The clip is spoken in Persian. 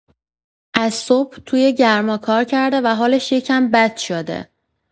از صبح توی گرما کار کرده و حالش یکم بد شده.